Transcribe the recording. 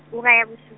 ura ya bosu.